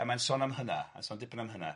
A mae'n sôn am hynna, ma'n sôn dipyn am hynna.